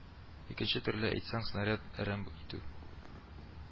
Икенче төрле әйтсәң, снаряд әрәм итү